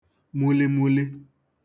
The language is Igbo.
mulimuli